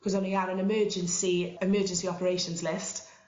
'c'os o'n i ar yr emergency emergency operations list